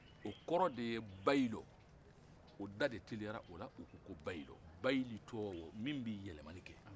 o kɔrɔ de ye bayilɔ o da de teliyara ola o ko bayilu bayilutɔɔ min bɛ yɛlɛmani kɛ